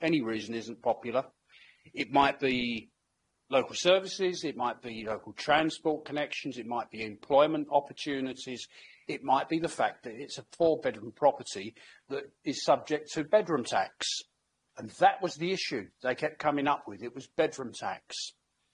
any reason isn't popular, it might be local services, it might be local transport connections, it might be employment opportunities, it might be the fact that it's a four bedroom property that is subject to bedroom tax, and that was the issue they kept coming up with, it was bedroom tax.